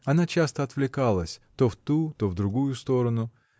Она часто отвлекалась то в ту, то в другую сторону.